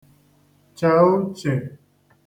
che uchè